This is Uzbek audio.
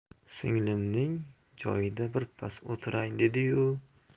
singlimning joyida birpas o'tiray dediyu